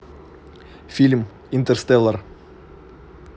фильм интерстеллар